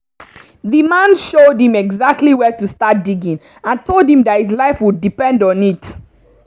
The man showed him exactly where to start digging and told him that his life would depend on it.